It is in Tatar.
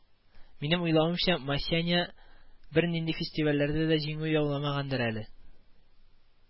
Минем уйлавымча, Масяня бернинди фестивальләрдә дә җиңү яуламагандыр әле